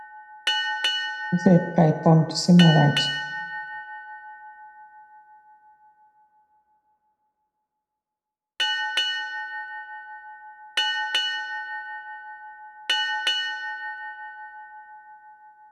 Buuse kay pontu simarag